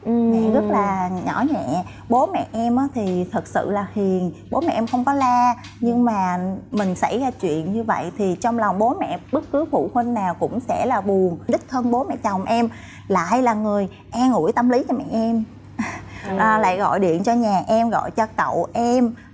mẹ rất là nhỏ nhẹ bố mẹ em á thì thật sự là hiền bố mẹ em không có la nhưng mà mình xảy ra chuyện như vậy thì trong lòng bố mẹ bất cứ phụ huynh nào cũng sẽ là buồn đích thân bố mẹ chồng em lại là người an ủi tâm lý cho mẹ em lại gọi điện cho nhà em gọi cho cậu em